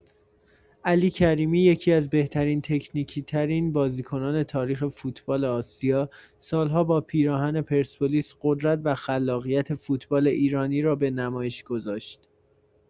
علی کریمی، یکی‌از بهترین تکنیکی‌ترین بازیکنان تاریخ فوتبال آسیا، سال‌ها با پیراهن پرسپولیس قدرت و خلاقیت فوتبال ایرانی را به نمایش گذاشت.